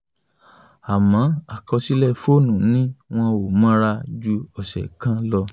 Àmọ́ àkọsílẹ̀ fóònù ní wọn ‘ò mọra ju ọ̀sẹ̀ kan lọ.